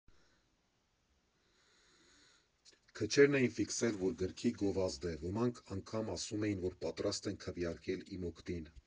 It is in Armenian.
Քչերն էին ֆիքսել, որ գրքի գովազդ է, ոմանք անգամ ասում էին, որ պատրաստ են քվեարկել իմ օգտին։